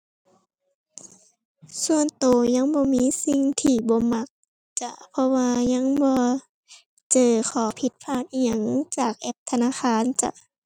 ส่วนตัวยังบ่มีสิ่งที่บ่มักจ้า เพราะว่ายังบ่เจอข้อผิดพลาดอิหยังจากแอปธนาคารจ้ะ